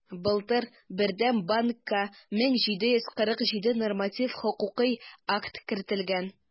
Былтыр Бердәм банкка 1747 норматив хокукый акт кертелгән.